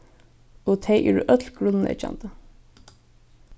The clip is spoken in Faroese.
og tey eru øll grundleggjandi